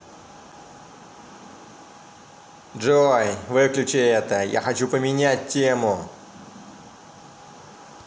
джой выключи это я хочу поменять тему